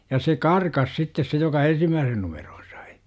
ja se karkasi sitten se joka ensimmäisen numeron sai